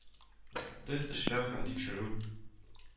Тест эшләү һәм тикшерү